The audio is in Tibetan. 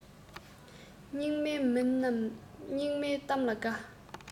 སྙིགས མའི མི རྣམས སྙིགས མའི གཏམ ལ དགའ